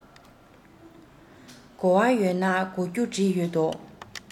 གོ བ ཡོད ན གོ རྒྱུ བྲིས ཡོད དོ